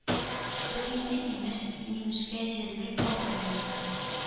Бу инде имеш-мимешкә җирлек калдырмый.